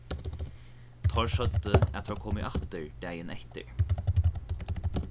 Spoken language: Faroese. teir søgdu at teir komu aftur dagin eftir